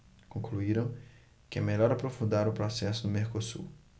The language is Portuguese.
concluíram que é melhor aprofundar o processo do mercosul